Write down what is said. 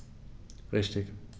Richtig